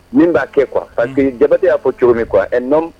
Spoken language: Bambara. Min b'a kɛ quoi unh parce que Diabaté y'a fɔ cogo min quoi un homme